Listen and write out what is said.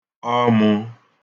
ọmụ̄